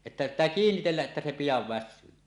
että pitää kiinnitellä että se pian väsyy